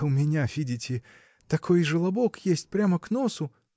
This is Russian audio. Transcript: — У меня, видите, такой желобок есть, прямо к носу.